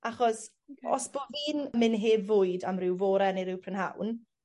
Achos os bo' fi'n myn' heb fwyd am ryw fore neu ryw prynhawn